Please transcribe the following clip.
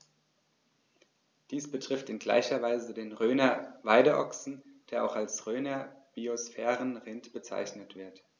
Dies betrifft in gleicher Weise den Rhöner Weideochsen, der auch als Rhöner Biosphärenrind bezeichnet wird.